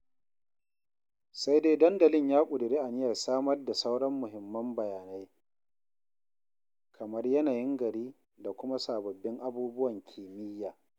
Sai dai dandalin ya ƙudiri aniyar samar da sauran muhimman bayanai, kamar yanayin gari da kuma sababbin abubuwan kimiyya.